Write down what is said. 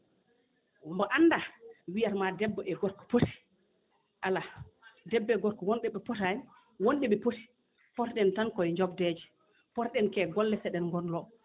mbo anndaa wiyatmaa debbo e gorko poti alaa debbo e gorko woon ɗo ɓe potaani woon ɗo ɓe poti potɗen tan koye jogdeeje potɗen koye golle seɗen golloo